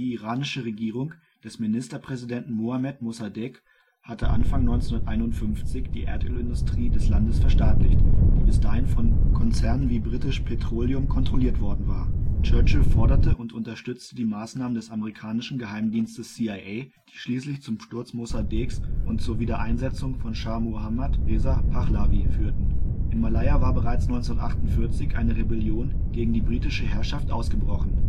iranische Regierung des Ministerpräsidenten Mohammed Mossadegh hatte Anfang 1951 die Erdölindustrie des Landes verstaatlicht, die bis dahin von Konzernen wie British Petroleum kontrolliert worden war. Churchill forderte und unterstützte die Maßnahmen des amerikanischen Geheimdienstes CIA, die schließlich zum Sturz Mossadeghs und zur Wiedereinsetzung von Schah Mohammad Reza Pahlavi führten. In Malaya war bereits 1948 eine Rebellion gegen die britische Herrschaft ausgebrochen